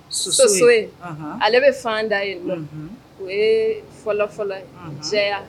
Soso ye anhan ale be fan da ye unhun o ye fɔlɔ-fɔlɔ ye anhan jɛya